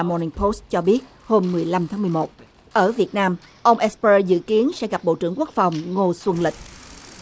mo ninh pốt cho biết hôm mười lăm tháng mười một ở việt nam ông e pơ dự kiến sẽ gặp bộ trưởng quốc phòng ngô xuân lịch